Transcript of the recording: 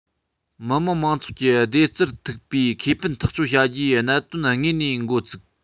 མི དམངས མང ཚོགས ཀྱི བདེ རྩར ཐུག པའི ཁེ ཕན ཐག གཅོད བྱ རྒྱུའི གནད དོན དངོས ནས འགོ བཙུགས